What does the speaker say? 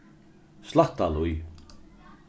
slættalíð